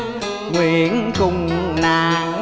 nguyện cùng nàng